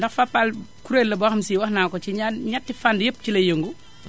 ndax Fapal kuréel la boo xam ne sii wax naa ko ci ñaar ñett fànn yépp ci lay yëngu